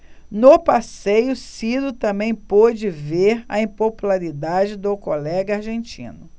no passeio ciro também pôde ver a impopularidade do colega argentino